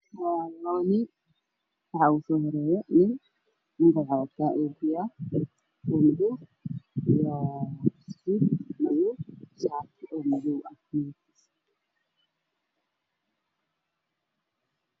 Waa niman waxay fadhiyaan xaflad waxaa ii muuqda nin wata sucid madow midabkiisa waa baroon